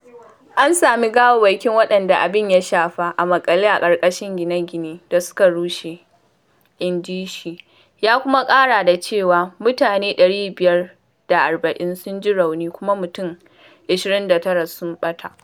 An sami gawarwakin waɗanda abin ya shafa a maƙale a ƙarƙashin gine-gine da suka rushe, inji shi, ya kuma ƙara da cewa mutane 540 sun ji rauni kuma mutum 29 sun ɓata.